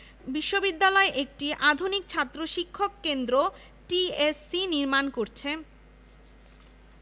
সাবিপ্রবি বাংলাদেশে প্রথম বারের মতো স্নাতক এবং স্নাতকোত্তর পর্যায়ে সমন্বিত সিস্টেম চালু করে এটি ১৯৯৬ ৯৭ সাল থেকে দেশের প্রথম সেমিস্টার সিস্টেমে শিক্ষা কার্যক্রম চালু করেছে